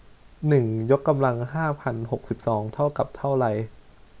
หนึ่งยกกำลังห้าพันหกสิบสองเท่ากับเท่าไร